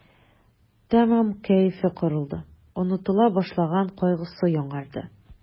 Тәмам кәефе кырылды, онытыла башлаган кайгысы яңарды.